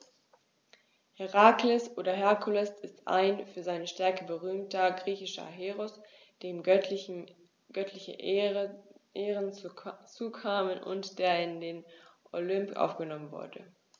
Herakles oder Herkules ist ein für seine Stärke berühmter griechischer Heros, dem göttliche Ehren zukamen und der in den Olymp aufgenommen wurde.